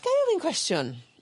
Gai ofyn cwestiwn?